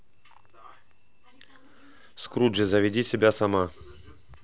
скруджи заведи себя сама